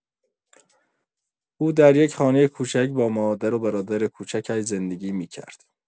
او در یک خانۀ کوچک با مادر و برادر کوچکش زندگی می‌کرد.